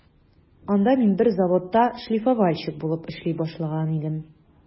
Анда мин бер заводта шлифовальщик булып эшли башлаган идем.